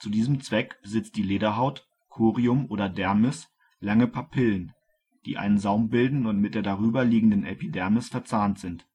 diesem Zweck besitzt die Lederhaut (Corium oder Dermis) lange Papillen, die einen Saum bilden und mit der darüber liegenden Epidermis verzahnt sind